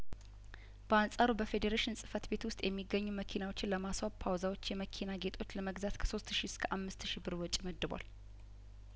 በአንጻሩ በፌዴሬሽን ጽፈት ቤት ውስጥ የሚገኙ መኪናዎችን ለማስዋብ ፓውዛዎችና የመኪና ጌጦችን ለመግዛት ከሶስት ሺ እስከ አምስት ሺ ብር ወጪ መድቧል